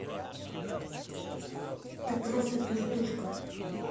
ты просто пердушка